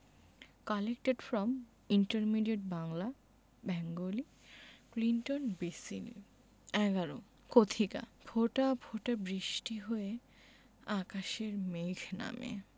collected from intermediate Bangla Bengali Clinton B Seely ১১ কথিকা ফোঁটা ফোঁটা বৃষ্টি হয়ে আকাশের মেঘ নামে